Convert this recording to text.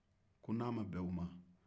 ko n'a ma bɛn u man